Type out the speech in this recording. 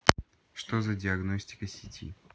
что за диагностика сети